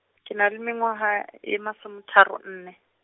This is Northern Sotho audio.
ke na le mengwaga e masome tharo nne.